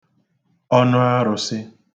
ọnụ arụsị̄